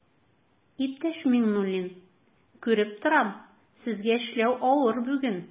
Иптәш Миңнуллин, күреп торам, сезгә эшләү авыр бүген.